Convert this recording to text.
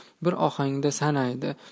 bir ohangda sanaydi